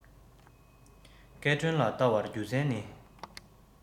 དཔལ སྒྲོན ལ བལྟ བར རྒྱུ མཚན ནི